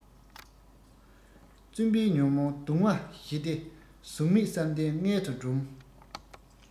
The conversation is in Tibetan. བཙུན པས ཉོན མོངས གདུང བ ཞི སྟེ གཟུགས མེད བསམ གཏན མངལ དུ སྦྲུམ